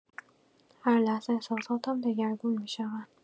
هر لحظه احساساتم دگرگون می‌شوند.